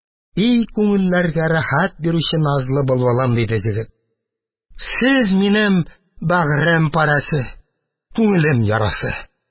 И күңелләргә рәхәт бирүче назлы былбылым, – диде егет, – сез минем бәгырем парәсе, күңелем ярасы!